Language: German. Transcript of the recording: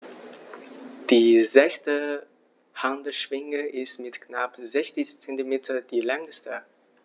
Die sechste Handschwinge ist mit knapp 60 cm die längste.